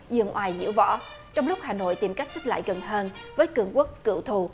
giương oai diễu võ trong lúc hà nội tìm cách xích lại gần hơn với cường quốc cựu thù